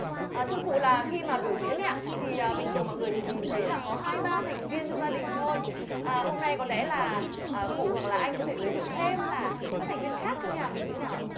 thưa cụ là khi mà biểu diễn thì bình thường mọi người chỉ nhìn thấy là có hai ba thành viên trong gia đình thôi à hôm nay có lẽ là cụ hoặc là anh có thể giới thiệu thêm là các thành viên khác trong nhà mình như thế nào ạ